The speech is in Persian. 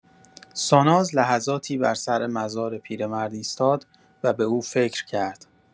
ساناز لحظاتی بر سر مزار پیرمرد ایستاد و به او فکر کرد.